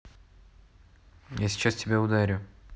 я сейчас тебя ударю